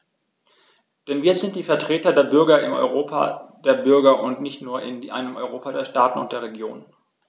Denn wir sind die Vertreter der Bürger im Europa der Bürger und nicht nur in einem Europa der Staaten und der Regionen.